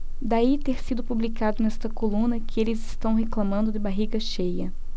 daí ter sido publicado nesta coluna que eles reclamando de barriga cheia